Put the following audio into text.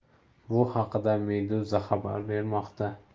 bu haqda meduza xabar bermoqda